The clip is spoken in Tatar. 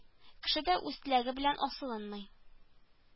Кеше дә үз теләге белән асылынмый